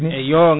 eyyo